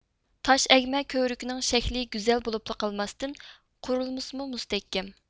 تاش ئەگمە كۆۋرۈكنىڭ شەكلى گۈزەل بولۇپلا قالماستىن قۇرۇلمىسىمۇ مۇستەھكەم